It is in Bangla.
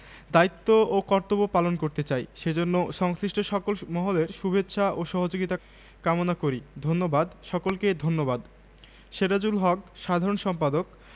বাংলাদেশের স্কুলে পাঠ্য বই বোর্ডকে শিক্ষা উন্নয়নের ক্ষেত্রে যথাযথ ভূমিকা পালনের সুযোগ দিয়ে যাবতীয় স্কুল পাঠ্য বই প্রকাশের দায়িত্ব বাংলাদেশ পুস্তক প্রকাশক ও বিক্রেতা সমিতির সদস্যদের হাতে অর্পণ করা হোক